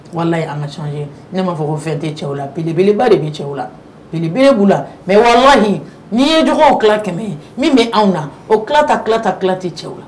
Wala ye kac nei b'a fɔ ko fɛn tɛ cɛw la belebeleba de bɛ cɛw la belebele b'u la mɛ wa nii ye dugawuw tila kɛmɛ ye min bɛ anw na o tila tilata tila tɛ cɛw la